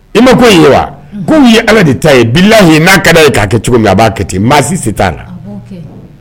I ma ko in ye wa, ko in ye Ala de ta ye bilahi n'a ka d'a ye k'a kɛ cogo min a b'a kɛ ten maa si se t'a la, awɔ kɛ